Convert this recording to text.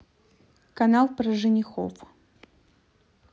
канал про женихов